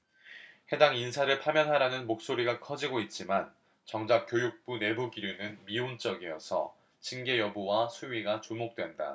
해당 인사를 파면하라는 목소리가 커지고 있지만 정작 교육부 내부기류는 미온적이어서 징계 여부와 수위가 주목된다